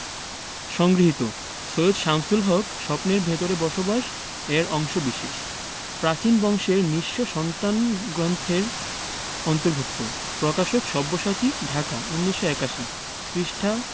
সংগৃহীত সৈয়দ শামসুল হক স্বপ্নের ভেতরে বসবাস এর অংশবিশেষ প্রাচীন বংশের নিঃস্ব সন্তান গ্রন্থের অন্তর্ভুক্ত প্রকাশকঃ সব্যসাচী ঢাকা ১৯৮১ পৃষ্ঠাঃ